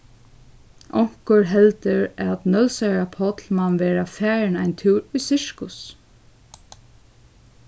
onkur heldur at nólsoyar páll man vera farin ein túr í sirkus